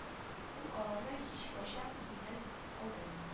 Ул аларны һичкайчан үзеннән калдырмый